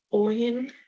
Wŷn?